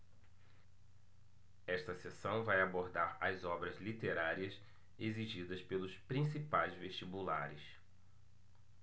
esta seção vai abordar as obras literárias exigidas pelos principais vestibulares